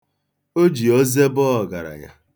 O ji oze baa ogaranya.